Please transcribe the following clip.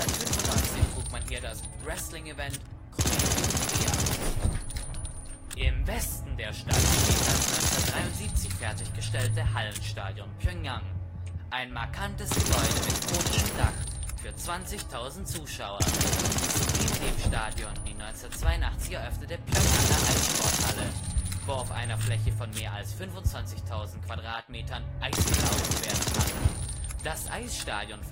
1995 trug man hier das Wrestlingevent " Collision in Korea " aus. Im Westen der Stadt steht das 1973 fertiggestellte Hallenstadion Pjöngjang. Ein markantes Gebäude mit konischem Dach für 20.000 Zuschauer, ist neben dem Stadion die 1982 eröffnete Pjöngjanger Eissporthalle, wo auf einer Fläche von mehr als 25.000 Quadratmetern eisgelaufen werden kann. Das Eisstadion